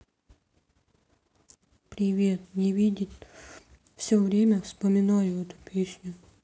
привет не видит все время вспоминаю эту песню